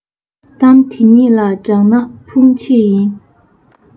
གཏམ དེ གཉིས ལ གྲགས ན ཕུང བྱེད ཡིན